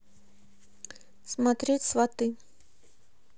смотреть сваты